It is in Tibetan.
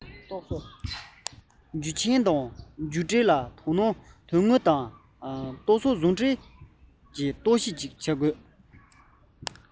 རྒྱུ རྐྱེན དང མཇུག འབྲས བཅས ལ དོན དངོས དང རྟོག བཟོ ཟུང དུ འབྲེལ བའི རྟོག ཞིབ ཀྱི མིག ཟུང ཕྱེ དགོས ལ